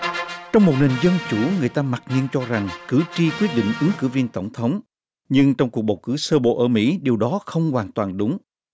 trong một nền dân chủ người ta mặc nhiên cho rằng cử tri quyết định ứng cử viên tổng thống nhưng trong cuộc bầu cử sơ bộ ở mỹ điều đó không hoàn toàn đúng